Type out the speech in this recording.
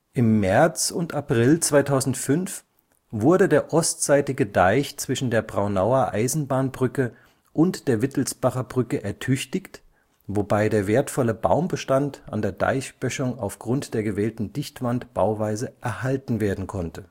Im März und April 2005 wurde der ostseitige Deich zwischen der Braunauer Eisenbahnbrücke und der Wittelsbacher Brücke ertüchtigt, wobei der wertvolle Baumbestand an der Deichböschung aufgrund der gewählten Dichtwand-Bauweise erhalten werden konnte